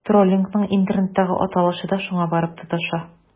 Троллингның интернеттагы аталышы да шуңа барып тоташа.